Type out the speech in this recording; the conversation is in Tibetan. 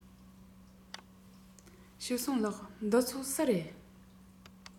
ཞའོ སུང ལགས འདི ཚོ སུའི རེད